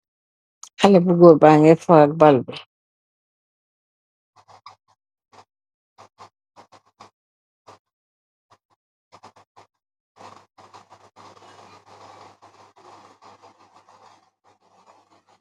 Xalé bu goor baañ ñgee foo ak bal bi.